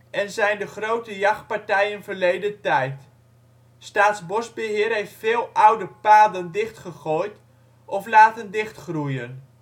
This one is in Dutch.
zijn de grote jachtpartijen verleden tijd. Staatsbosbeheer heeft veel oude paden dicht gegooid of laten dichtgroeien